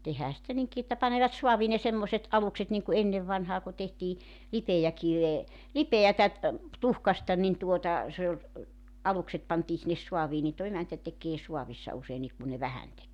tehdään sitä niinkin että panevat saaviin ne semmoiset alukset niin kuin ennen vanhaan kun tehtiin lipeäkiveä lipeää tuhkasta niin tuota se oli alukset pantiin sinne saaviin niin tuo emäntä tekee saavissa useinkin kun ne vähän tekee